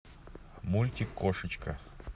мультик кошечка